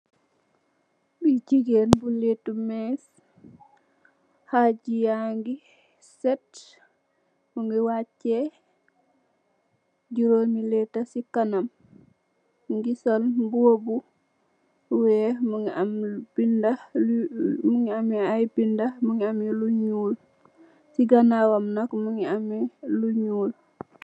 Jigeen bu lettuce mess khaji yangi sett mungi wacheh juromi letta si kanam mungi sol mbuba bu wekh mungi ameh ayy binda mungi am lu nyul si ganawam nak mungi ameh lu nyul.